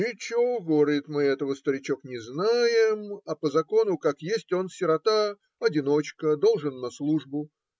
"Ничего, говорит, мы этого, старичок, не знаем, а по закону, как есть он сирота, одиночка должон на службу.